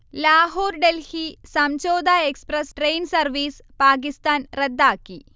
Lahore-Delhi Samjhauta express train service Pakistan റദ്ദാക്കി